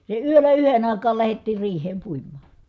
se yöllä yhden aikaan lähdettiin riiheen puimaan